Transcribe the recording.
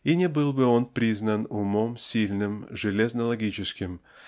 и не был бы он признан умом сильным железно-логическим